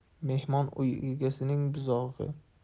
mehmon uy egasining buzog'i